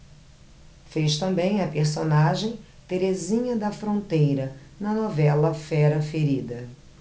fez também a personagem terezinha da fronteira na novela fera ferida